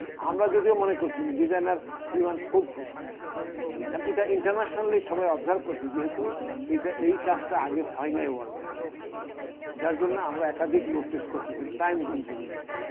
আমরা যদিও মনে করছি কিন্তু designer he want foolproof কারণ এটা ইন্টারন্যাশনালি সবাই অবজার্ভ করছে যেহেতু এই কাজটা আগে হয় নাই ওয়ার্ল্ডে আগে আর যার জন্য আমরা একাধিক লোড টেস্ট করতেছি টাইম কনজিউমিং হয়েছে